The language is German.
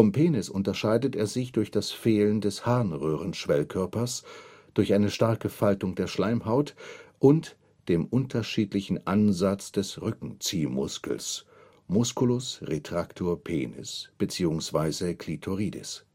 Penis unterscheidet er sich durch das Fehlen des Harnröhrenschwellkörpers, durch eine starke Faltung der Schleimhaut und dem unterschiedlichen Ansatz des Rückziehmuskels (Musculus retractor penis beziehungsweise clitoridis